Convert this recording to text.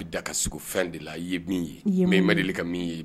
A da ka segu fɛn de a ye min ye ma deli ka min ye